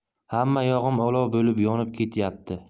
hamma yog'im olov bo'lib yonib ketyapti